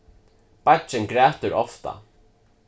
beiggin grætur ofta